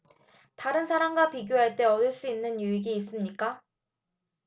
다른 사람과 비교할 때 얻을 수 있는 유익이 있습니까